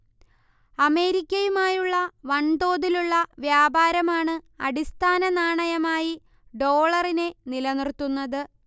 അമേരിക്കയുമായുള്ള വൻതോതിലുള്ള വ്യാപാരമാണ് അടിസ്ഥാന നാണയമായി ഡോളറിനെ നിലനിർത്തുന്നത്